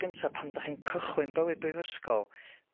gynta pan 'dach chi'n cychwyn bywyd brifysgol,